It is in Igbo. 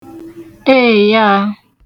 eèyaā